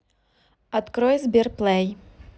открой сберплей